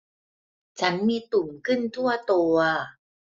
ฉันมีตุ่มขึ้นทั่วตัว